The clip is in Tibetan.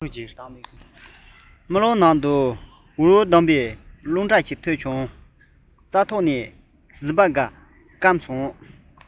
རྨི ལམ དུ འུར འུར ལྡང བའི གྲང རླུང ཐོས བྱུང རྩྭ ཐོག གི ཟིལ བ བསྐམས རྗེས